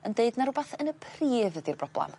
yn deud 'na rwbath yn y pridd ydi'r broblam.